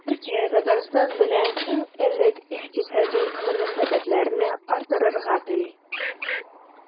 Төркия Татарстан белән иң элек икътисади мөнәсәбәтләрне арттырырга тели.